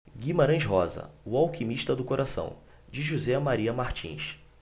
guimarães rosa o alquimista do coração de josé maria martins